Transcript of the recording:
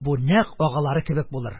Бу нәкъ агалары кебек булыр,